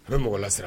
A bɛ mɔgɔ lasira